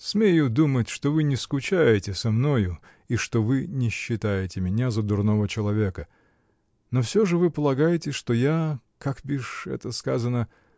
Смею думать, что вы не скучаете со мною и что вы не считаете меня за дурного человека, но все же вы полагаете, что я -- как, бишь, это сказано?